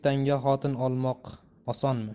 tanga xotin olmoq osonmi